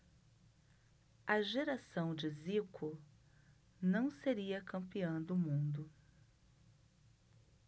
a geração de zico não seria campeã do mundo